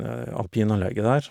Alpinanlegget der.